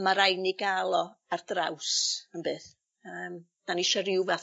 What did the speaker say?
Ma' raid ni ga'l o ar draws on' bydd yym 'dan ni isio ryw fath